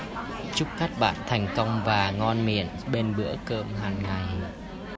chúc các bạn thành công và ngon miệng bên bữa cơm hàng ngày